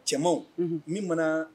Cɛman min mana